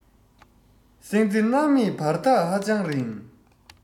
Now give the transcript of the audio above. སྲིད རྩེ མནར མེད བར ཐག ཧ ཅང རིང